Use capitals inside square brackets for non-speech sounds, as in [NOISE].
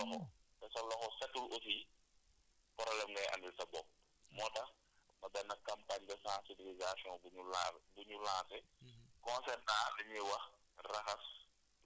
lépp looy mënti def di utiliser sa [NOISE] loxo te sa loxo setul aussi problème ngay andl sa bopp moo tax benn campagne de sensibilisation bu ñu laal bu ñu lancé